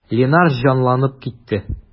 Линар җанланып китте.